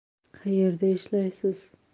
qayerda ishlaysiz